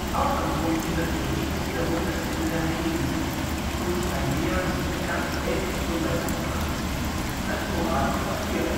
Ausgangspunkt dieser Theorie ist wiederum das Ende der Aeneis, wo sich Aeneas (wie ganz ähnlich schon bei Laktanz, s. o.) als moralischer Verlierer